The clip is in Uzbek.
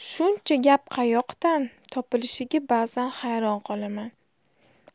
shuncha gap qayoqdan topilishiga bazan hayron qolaman